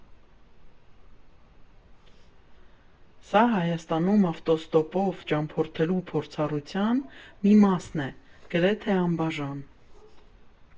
Սա Հայաստանում ավտոստոպով ճամփորդելու փորձառության մի մասն է, գրեթե անբաժան։